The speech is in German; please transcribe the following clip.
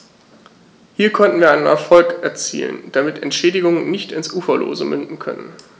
Hier konnten wir einen Erfolg erzielen, damit Entschädigungen nicht ins Uferlose münden können.